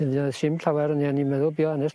sim llawer o'n i a o'n i'n meddwl be' yw hanes...